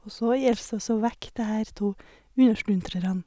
Og så gjelder det å så vekke det her to unnasluntrerne.